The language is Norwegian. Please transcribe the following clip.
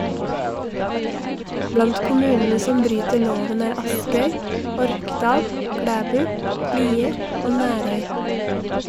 Blant kommunene som bryter loven er Askøy, Orkdal, Klæbu, Lier og Nærøy.